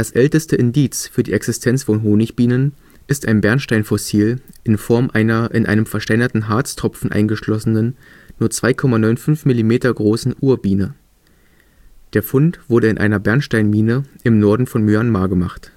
älteste Indiz für die Existenz von Honigbienen ist ein Bernstein-Fossil in Form einer in einem versteinerten Harztropfen eingeschlossenen, nur 2,95 Millimeter großen Ur-Biene. Der Fund wurde in einer Bernsteinmine im Norden von Myanmar gemacht